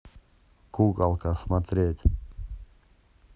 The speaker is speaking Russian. куколка смотреть